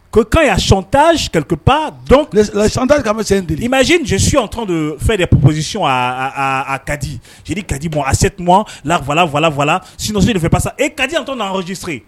Quand il y a chantage quelque part, la chantage quand même c'est un délie, imagine je suis entrain de faire des propositions à Kadi, je dis Kadi achète moi là voila voila voila, sinon tu ne fais pas ça et Kadi est entrain d'enregistrer